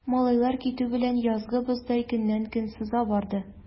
Малайлар китү белән, язгы боздай көннән-көн сыза барды.